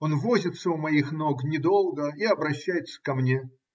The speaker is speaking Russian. Он возится у моих ног недолго и обращается ко мне